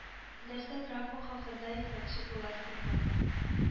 Нәрсә травмаң хакында әйтмәкче буласыңмы